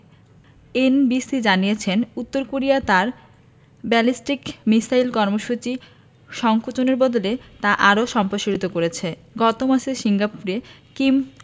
NBC জানিয়েছে উত্তর Korea তার ব্যালিস্টিক মিসাইল কর্মসূচি সংকোচনের বদলে তা আরও সম্প্রসারিত করছে গত মাসে সিঙ্গাপুরে কিম